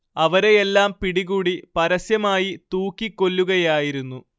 അവരെയെല്ലാം പിടികൂടി പരസ്യമായി തൂക്കിക്കൊല്ലുകയായിരുന്നു